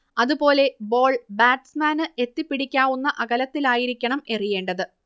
അതുപോലെ ബോൾ ബാറ്റ്സ്മാന് എത്തിപ്പിടിക്കാവുന്ന അകലത്തിലായിരിക്കണം എറിയേണ്ടത്